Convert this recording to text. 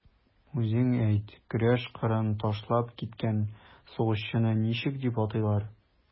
Үзең әйт, көрәш кырын ташлап киткән сугышчыны ничек дип атыйлар?